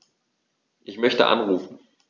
Ich möchte anrufen.